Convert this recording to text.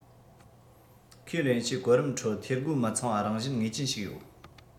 ཁས ལེན ལྟའི གོ རིམ ཁྲོད འཐུས སྒོ མི ཚང བ རང བཞིན ངེས ཅན ཞིག ཡོད